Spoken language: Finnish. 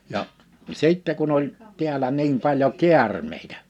ja sitten kun oli täällä niin paljon käärmeitä